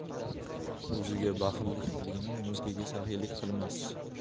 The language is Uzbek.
o'ziga baxillik qilgan o'zgaga saxiylik qilmas